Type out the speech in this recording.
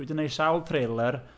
Dwi 'di wneud sawl trailer.